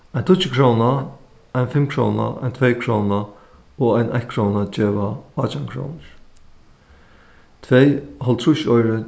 ein tíggjukróna ein fimmkróna ein tveykróna og ein eittkróna geva átjan krónur tvey hálvtrýssoyru